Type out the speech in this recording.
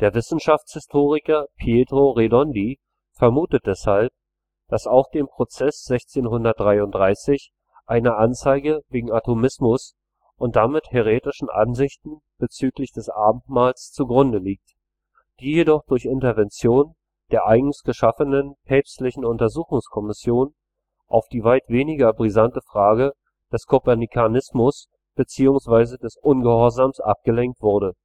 Wissenschaftshistoriker Pietro Redondi vermutet deshalb, dass auch dem Prozess 1633 eine Anzeige wegen Atomismus und damit häretischen Ansichten bezüglich des Abendmahls zugrunde liegt, die jedoch durch Intervention der eigens geschaffenen päpstlichen Untersuchungskommission auf die weit weniger brisante Frage des Kopernikanismus bzw. des Ungehorsams abgelenkt wurde